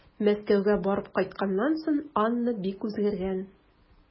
Мәскәүгә барып кайтканнан соң Анна бик үзгәргән.